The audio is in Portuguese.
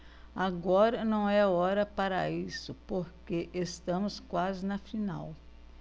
agora não é hora para isso porque estamos quase na final